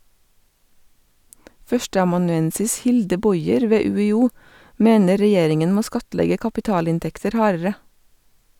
Førsteamanuensis Hilde Bojer ved UiO mener regjeringen må skattlegge kapitalinntekter hardere.